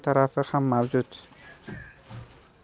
tarafi ham mavjud